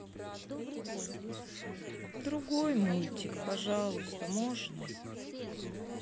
другой мультик пожалуйста можно